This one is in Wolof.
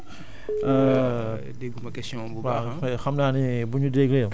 déggu ma question am